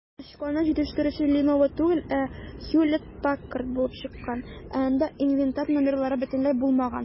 Тычканны җитештерүче "Леново" түгел, ә "Хьюлетт-Паккард" булып чыккан, ә анда инвентарь номерлары бөтенләй булмаган.